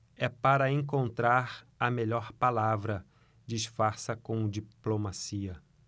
é para encontrar a melhor palavra disfarça com diplomacia